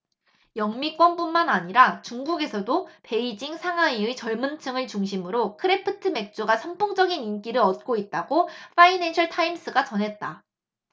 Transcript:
영미권뿐만 아니라 중국에서도 베이징 상하이의 젊은층을 중심으로 크래프트 맥주가 선풍적인 인기를 얻고 있다고 파이낸셜타임스가 전했다